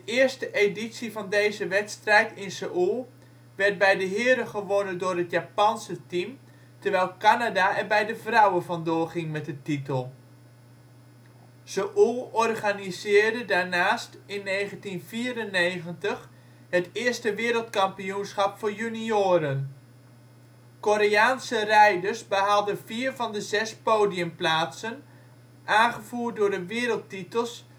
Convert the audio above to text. eerste editie van deze wedstrijd in Seoel werd bij de heren gewonnen door het Japanse team, terwijl Canada er bij de vrouwen vandoor ging met de titel. Seoel organiseerde daarnaast in 1994 het eerste wereldkampioenschap voor junioren. Koreaanse rijders behaalden vier van de zes podiumplaatsen, aangevoerd door de wereldtitels